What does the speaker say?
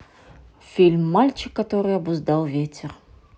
фильм мальчик который обуздал ветер